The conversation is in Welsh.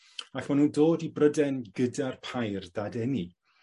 Ac ma' nw'n dod i Bryden gyda'r pair dadeni.